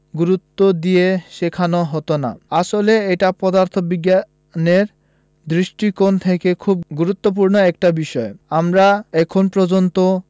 গুরুত্ব দিয়ে শেখানো হতো না আসলে এটা পদার্থবিজ্ঞানের দৃষ্টিকোণ থেকে খুব গুরুত্বপূর্ণ একটা বিষয় আমরা এখন পর্যন্ত